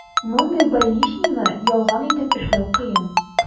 Мондый больничныйны ялган итеп эшләү кыен.